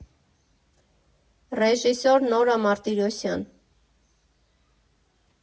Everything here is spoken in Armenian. Ռեժիսոր՝ Նորա Մարտիրոսյան։